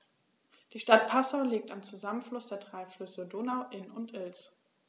Die Stadt Passau liegt am Zusammenfluss der drei Flüsse Donau, Inn und Ilz.